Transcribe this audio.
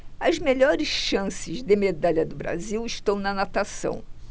as melhores chances de medalha do brasil estão na natação